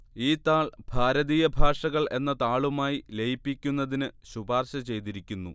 ഈ താൾ ഭാരതീയ ഭാഷകൾ എന്ന താളുമായി ലയിപ്പിക്കുന്നതിന് ശുപാർശ ചെയ്തിരിക്കുന്നു